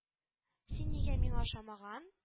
Син нигә миңа охшамаган